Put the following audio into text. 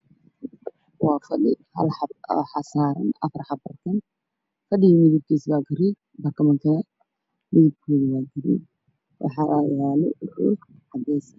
Waa fadhi hal xabo ah waxaa saaran afar barkin. Fadhigu waa garee, barkimuhu waa buluug.